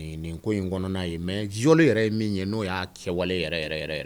Nin ko in kɔnɔna ye mais viol yɛrɛ ye min ye n'o y'a kɛwale yɛrɛ yɛrɛ